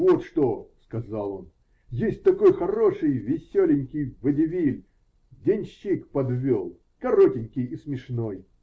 -- Вот что, -- сказал он, -- есть такой хороший, веселенький водевиль "Денщик подвел". Коротенький и смешной.